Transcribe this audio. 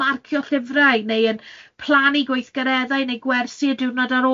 marcio llyfrau, neu yn plannu gweithgareddau neu gwersi y diwrnod